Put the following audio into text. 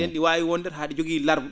?een ?i waawi wonde taa ?i jogi l' arbe